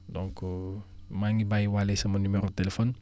donc maa ngi bàyyi waaye sama numéro téléphone